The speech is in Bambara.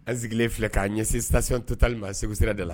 An sigilen filɛ'a ɲɛsin sasion to tali ma segu sira de la